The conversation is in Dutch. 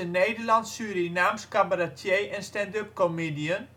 Nederlands-Surinaams cabaretier/stand-upcomedian